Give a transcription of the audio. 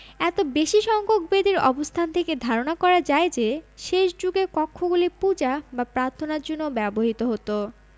এত বেশি সংখ্যক বেদির অবস্থান থেকে ধারণা করা যায় যে শেষ যুগে কক্ষগুলি পূজা বা প্রার্থনার জন্য ব্যবহূত হতো